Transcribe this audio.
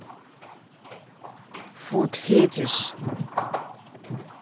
фуд фетиш